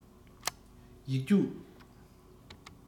ཡིག རྒྱུགས